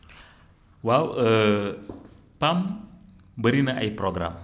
waaw PAM bëri na ay programmes